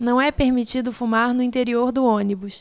não é permitido fumar no interior do ônibus